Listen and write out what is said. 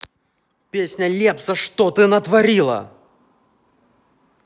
песня лепса что ты натворила